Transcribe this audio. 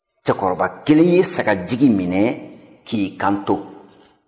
cɛkɔrɔba kelen ye sagajigi minɛ k'i kanto